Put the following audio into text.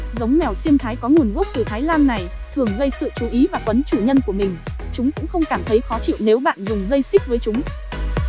giống mèo xiêm thái có nguồn gốc từ thái lan này thường gây sự chú ý và quấn chủ nhân của mình chúng cũng không cảm thấy khó chịu nếu bạn dùng dây xích với chúng